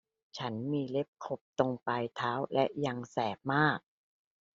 ฉันมีเล็บขบตรงปลายเท้าและยังแสบมาก